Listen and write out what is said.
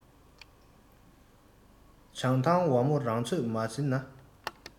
བྱང ཐང ཝ མོ རང ཚོད མ ཟིན ན